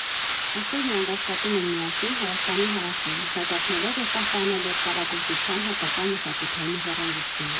Այսօր նրանք աշխատում են միասին Հայաստանի հարավում՝ զարգացնելով և պահպանելով կավագործության հայկական մշակութային ժառանգությունը։